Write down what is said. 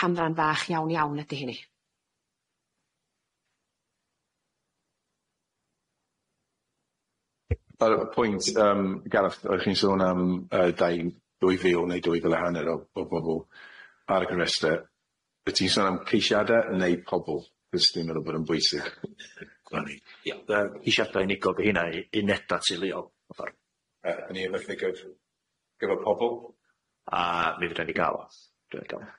canran fach iawn iawn ydi heiny. Yym y pwynt Gareth o' chi'n sôn am dau dwy fil ne' dwy fil a hanner o bobol ar y gofrestyr wyt ti'n sôn am ceishiade neu pobol 'os dwi'n meddwl bod e'n bwysig. Ia ceishiada unigol 'di heinia, uneda teuluol mewn ffor. pobol? A mi fedran ni ga'l o.